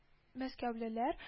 Мәскәүлеләр